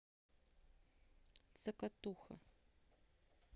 цокотуха